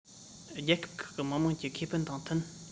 རྒྱལ ཁབ ཁག གི མི དམངས ཀྱི ཁེ ཕན དང མཐུན